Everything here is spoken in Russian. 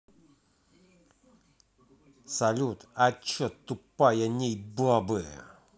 салют а че тупая ней бабы